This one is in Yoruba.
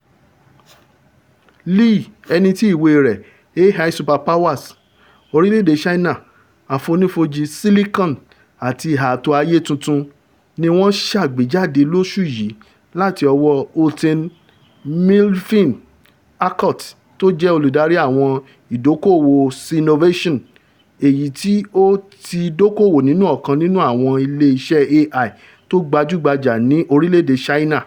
Lee, ẹnití ìwé rẹ̀ ''AI Superpowers”: orílẹ̀-èdè Ṣáínà, Àfonífojì Silikọn àti Ààtò Ayé Tuntun'' ni wọ̀n ṣàgbéjáde lóṣù yìí láti ọwọ́ Houghton Mifflin Harcourt, tójẹ́ Olùdarí Àwọn Ìdókòòwò Sinovàtion, èyití ó ti dókòòwò nínú ọ̀kan nínú àwọn ilé iṣẹ́ AI tó gbajú-gbajà ní orílẹ̀-èdè Ṣáìnà, Face++.